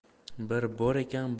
bir bor ekan